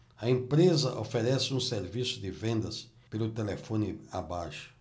a empresa oferece um serviço de vendas pelo telefone abaixo